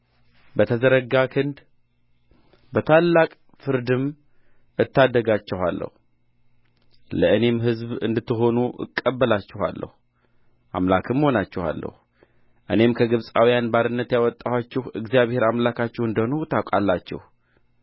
በተዘረጋ ክንድ በታላቅ ፍርድም እታደጋችኋለሁ ለእኔም ሕዝብ እንድትሆኑ እቀበላችኋለሁ አምላክም እሆናችኋለሁ እኔም ከግብፃውያን ባርነት ያወጣኋችሁ እግዚአብሔር አምላካችሁ እንደሆንሁ ታውቃላችሁ